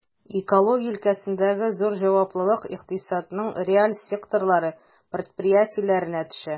Экология өлкәсендәге зур җаваплылык икътисадның реаль секторлары предприятиеләренә төшә.